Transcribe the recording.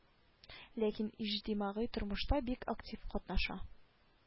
Ләкин иҗтимагый тормышта бик актив катнаша